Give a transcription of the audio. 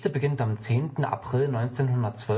beginnt am 10. April 1912